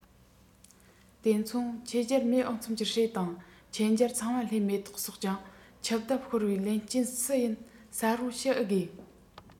དེ མཚུངས ཆོས རྒྱལ མེས ཨག ཚོམ གྱི སྲས དང ཆོས རྒྱལ ཚངས པ ལྷའི མེ ཏོག སོགས ཀྱང ཆིབས བརྡབས ཤོར བའི ལན རྐྱེན སུ ཡིན གསལ པོ ཞུ ཨེ དགོས